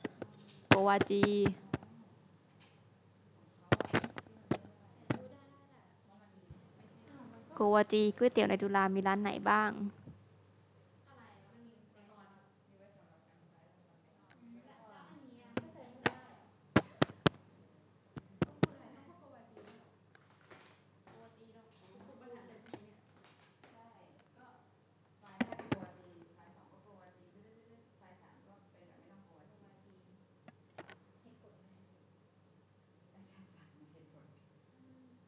โกวาจีก๋วยเตี๋ยวในจุฬามีร้านไหนบ้าง